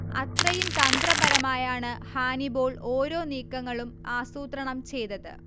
അത്രയും തന്ത്രപരമായാണ് Hannibal ഒരോ നീക്കങ്ങളും ആസൂത്രണം ചെയ്തത്